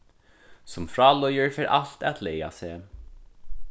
sum frá líður fer alt at laga seg